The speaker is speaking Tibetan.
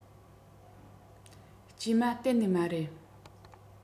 བཅོས མ གཏན ནས མ རེད